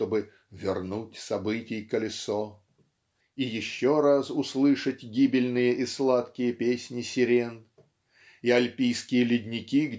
чтобы "вернуть событий колесо" и еще раз услышать гибельные и сладкие песни сирен и альпийские ледники